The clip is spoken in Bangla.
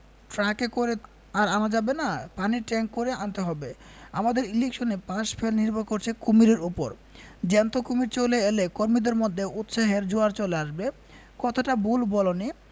ট্রাকে করে আর আনা যাবে না পানির ট্যাংকে করে আনতে হবে আমাদের ইলেকশনে পাশ ফেল নির্ভর করছে কুমীরের উপর জ্যান্ত কুমীর চলে এলে কর্মীদের মধ্যেও উৎসাহের জোয়ার চলে আসবে কথাটা ভুল বলনি